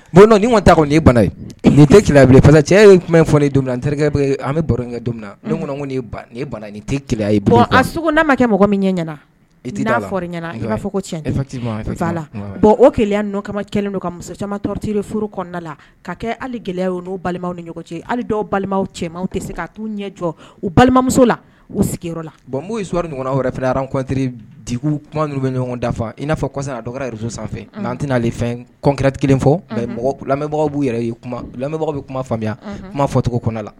Bon ta bana tilele tɛele pa cɛ ye tun ye fɔ ye terikɛ an bɛ baro donkun bana ni tɛ keya bɔn a sogo n'a ma kɛ mɔgɔ min ɲɛ ɲɛnaana i n'a ɲɛna i b'a fɔ ko cɛn la bɔn oya n'o kama cɛ don ka muso camantire furu kɔnɔna la ka kɛ hali gɛlɛya n'o balima ni ɲɔgɔn cɛ hali dɔw balimaw cɛ tɛ se k ka taau ɲɛ jɔ u balimamuso la u sigiyɔrɔ la bon n sɔrɔ ɲɔgɔn yɛrɛ fɛɔnte kuma ninnuu bɛ ɲɔgɔn dafa i n'a fɔ kɔsa a dɔw sanfɛ' an tɛnaale fɛn kɔnkɛti kelen fɔ lamɛnbagaw'u yɛrɛ y'bagaw kuma faamuyaya kuma fɔcogo kɔnɔna la